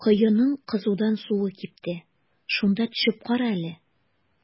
Коеның кызудан суы кипте, шунда төшеп кара әле.